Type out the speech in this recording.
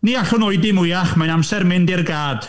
Ni allwn oedi mwyach, mae'n amser mynd i'r gâd.